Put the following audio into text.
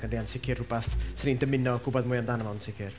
Ond, ia'n sicr rywbeth 'sa ni'n dymuno gwbod mwy amdano fo'n sicr.